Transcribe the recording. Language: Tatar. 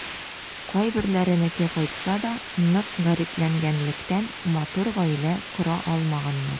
Кайберләренеке кайтса да, нык гарипләнгәнлектән, матур гаилә кора алмаганнар.